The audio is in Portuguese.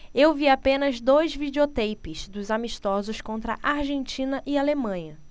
eu vi apenas dois videoteipes dos amistosos contra argentina e alemanha